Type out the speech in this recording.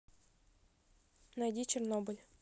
найди чернобыль